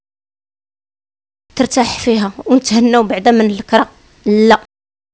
ترتاح فيها النوم بعد من الكلام